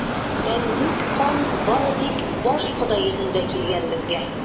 Мәңгүк хан бары тик башкода йөзендә килгән безгә!